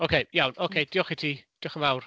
Ok iawn. Ok. Diolch i ti. Diolch yn fawr.